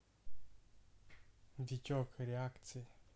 витек реакции